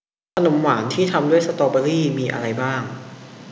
ขนมหวานที่ทำด้วยสตอเบอร์รี่มีอะไรบ้าง